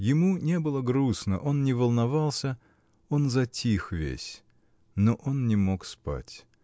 Ему не было грустно, он не волновался, он затих весь; но он не мог спать.